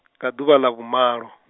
nga dzuvha ḽa vhumalo.